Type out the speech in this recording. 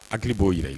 Hakili b'o yɛrɛ ye.